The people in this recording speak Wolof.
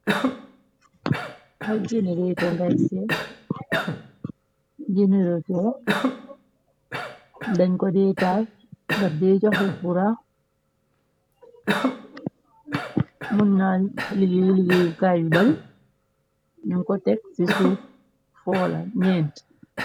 ay jegain reeto ngay se jenerato dañ ko deetaar ndar dee joxek bura mënnal gliggéeyukaay yu bare nañ ko tex ci suuf foola ñeent